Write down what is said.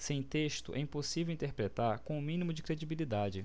sem texto é impossível interpretar com o mínimo de credibilidade